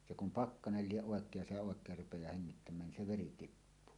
se kun pakkanen lie oikein ja se oikein rupeaa hengittämään niin se veri tippuu